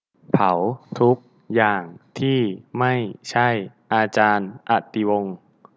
เผาทุกอย่างที่ไม่ใช่อาจารย์อติวงศ์